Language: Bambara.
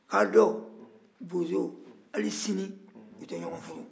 kaadɔ bozo hali sini u tɛ ɲɔgɔn furu